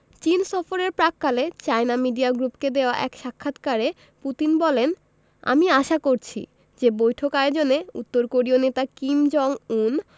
চীন সফরের প্রাক্কালে চায়না মিডিয়া গ্রুপকে দেওয়া এক সাক্ষাৎকারে পুতিন বলেন আমি আশা করছি যে বৈঠক আয়োজনে উত্তর কোরীয় নেতা কিম জং উন